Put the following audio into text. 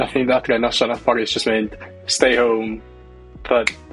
noson nath Boris jys mynd stay home ch'mod?